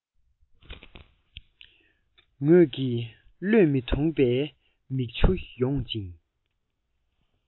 ངོས ཀྱི བློས མི ཐོངས པའི མིག ཆུ ཡོད ཅིང